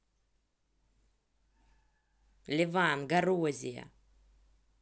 леван горозия